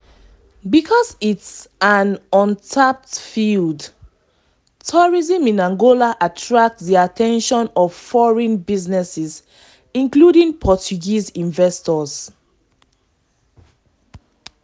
Because it is an untapped field, tourism in Angola attracts the attention of foreign businessmen, including Portuguese investors.